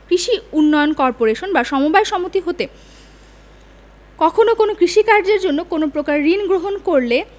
কৃষি উন্নয়ন কর্পোরেশন বা সমবায় সমিতি হতে কখনো কৃষি কায্যের জন্য কোন প্রকার ঋণ গ্রহণ করলে